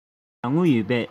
ཁྱེད རང ལ དངུལ ཡོད པས